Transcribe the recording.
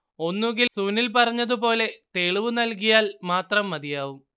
ഒന്നുകില്‍ സുനില്‍ പറഞ്ഞതുപോലെ തെളിവു നല്കിയാല്‍ മാത്രം മതിയാവും